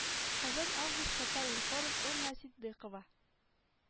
Казан август татар информ эмма ситдыйкова